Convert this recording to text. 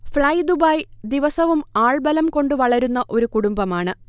fly Dubai ദിവസവും ആൾബലം കൊണ്ട് വളരുന്ന ഒരു കുടുംബമാണ്